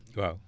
waaw